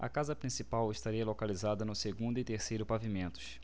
a casa principal estaria localizada no segundo e terceiro pavimentos